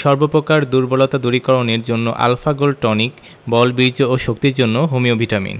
সর্ব প্রকার দুর্বলতা দূরীকরণের জন্য আল্ ফা গোল্ড টনিক –বল বীর্য ও শক্তির জন্য হোমিও ভিটামিন